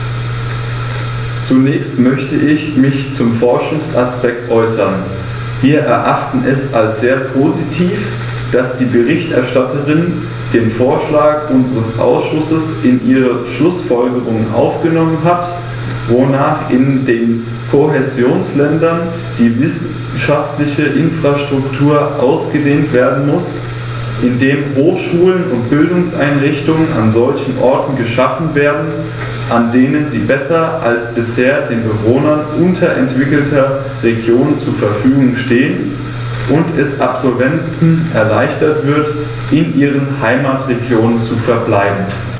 Zunächst möchte ich mich zum Forschungsaspekt äußern. Wir erachten es als sehr positiv, dass die Berichterstatterin den Vorschlag unseres Ausschusses in ihre Schlußfolgerungen aufgenommen hat, wonach in den Kohäsionsländern die wissenschaftliche Infrastruktur ausgedehnt werden muss, indem Hochschulen und Bildungseinrichtungen an solchen Orten geschaffen werden, an denen sie besser als bisher den Bewohnern unterentwickelter Regionen zur Verfügung stehen, und es Absolventen erleichtert wird, in ihren Heimatregionen zu verbleiben.